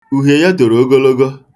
Uhie ya toro ogologo.